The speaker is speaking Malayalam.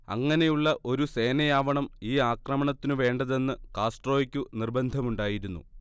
അങ്ങനെയുള്ള ഒരു സേനയാവണം ഈ ആക്രമണത്തിനു വേണ്ടതെന്ന് കാസ്ട്രോയക്കു നിർബന്ധമുണ്ടായിരുന്നു